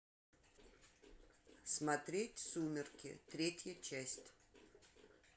смотреть сумерки третья часть